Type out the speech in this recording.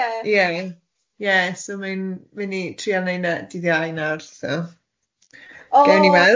Ie ie so mae'n mae'n i trial neud y dydd Iau nawr so gawn ni weld.